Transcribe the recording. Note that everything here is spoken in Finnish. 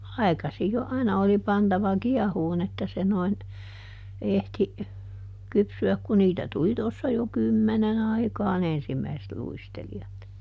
aikaisin jo aina oli pantava kiehumaan että se noin ehti kypsyä kun niitä tuli tuossa jo kymmenen aikaan ensimmäiset luistelijat